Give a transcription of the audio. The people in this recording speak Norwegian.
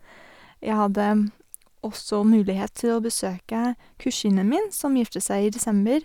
Jeg hadde også mulighet til å besøke kusinen min, som giftet seg i desember.